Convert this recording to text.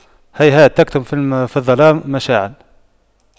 هيهات تكتم في الظلام مشاعل